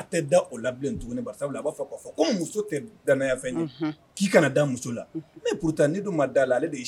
Tuguni b'a k' kana da muso la neta ma da